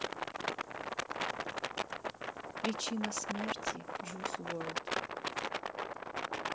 причина смерти juice wrld